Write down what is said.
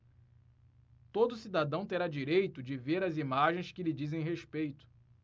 todo cidadão terá direito de ver as imagens que lhe dizem respeito